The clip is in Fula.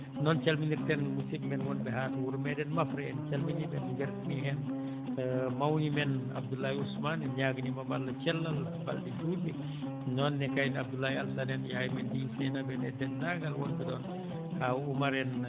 noon calminirten musidɓe men wonɓe haa to wuro meeɗen Mafru en calminii ɓe en ngardinii heen mawni men Abdoulaye Ousmane en ñaaganiima mo Allah cellal e balɗe juutɗe noon ne kayne Abdoulaye Alassane en yaye men nen Seynabou en e denndaangal wonɓe ɗon kaw Oumar en